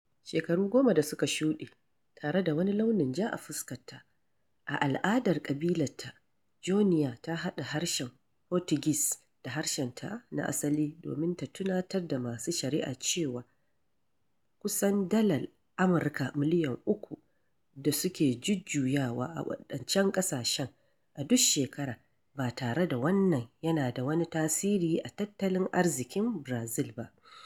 Shekaru goma da suka shuɗe, tare da wani launin ja a fuskarta, a al'adar ƙabilarta, Joenia ta haɗa harshen Portugues da harshenta na asali domin ta tunatar da masu shari'ar cewa kusan dalar Amurka miliyan uku da suke jujjuyawa a waɗancan ƙasashe a duk shekara ba tare da wannan yana da wani tasiri a tattalin arziƙin Barazil ba.